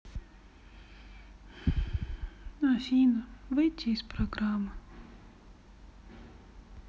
афина выйти из программы